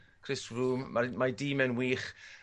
Chris Froome mae mae 'i dîm e'n wych